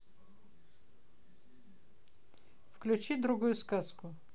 включи другую сказку